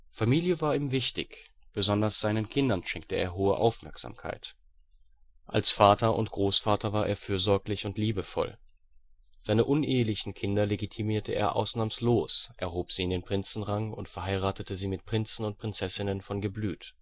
Familie war ihm wichtig, besonders seinen Kindern schenkte er hohe Aufmerksamkeit. Als Vater und Großvater war er fürsorglich und liebevoll. Seine unehelichen Kinder legitimierte er ausnahmslos, erhob sie in den Prinzenrang und verheiratete sie mit Prinzen und Prinzessinnen von Geblüt